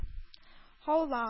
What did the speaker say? Һаулау